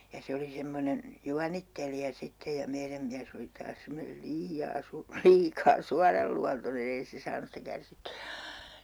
ja se oli semmoinen juonittelija sitten ja meidän mies oli taas semmoinen liian - liikaa suoranluontoinen ei se saanut sitä kärsittyä